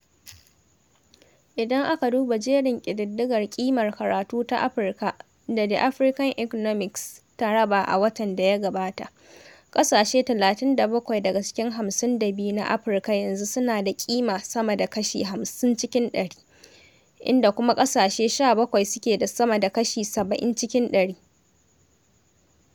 Idan aka duba jerin ƙididdigar ƙimar karatu ta Afrika da The African Economist ta raba a watan da ya gabata, ƙasashe 37 daga cikin 52 na Afrika yanzu suna da ƙima sama da kashi 50 cikin ɗari, inda kuma ƙasashe 17 suke da sama da kashi 70 cikin 100.